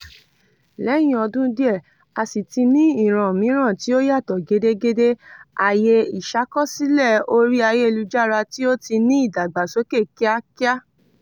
Lẹ́yìn ọdún díẹ̀, a sì ti ní ìran mìíràn tí ó yàtọ̀ gedegede – àyè ìṣàkọsílẹ̀ orí ayélujára tí ó ti ní ìdàgbàsókè kíákíá.